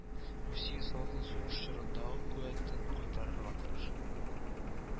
Русия салкын сугыш чорындагы куәтен кайтарырга тырыша